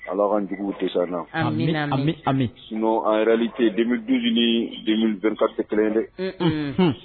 Ala kaanjuguw tɛ se na ami amimi ami a yɛrɛali tɛ duuru nidka tɛ kelen dɛ